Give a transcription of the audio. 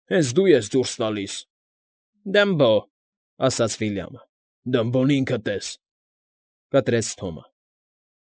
Հենց դու ես դուրս տալիս։ ֊ Դմբո,֊ ասաց Վիլյամը։ ֊ Դմբոն ինքդ ես,֊ կտրեց Թոմը։